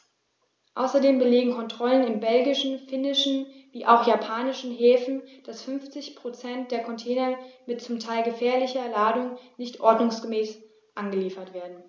Außerdem belegen Kontrollen in belgischen, finnischen wie auch in japanischen Häfen, dass 50 % der Container mit zum Teil gefährlicher Ladung nicht ordnungsgemäß angeliefert werden.